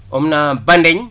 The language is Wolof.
on a Banding